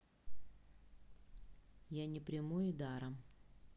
я не приму и даром